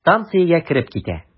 Станциягә кереп китә.